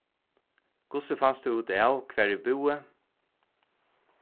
hvussu fanst tú útav hvar eg búði